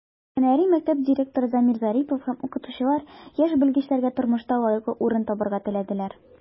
Һөнәри мәктәп директоры Замир Зарипов һәм укытучылар яшь белгечләргә тормышта лаеклы урын табарга теләделәр.